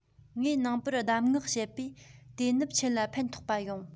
ངས ནངས པར གདམས ངག བཤད པས དེ ནུབ ཁྱེད ལ ཕན ཐོགས པ ཡོང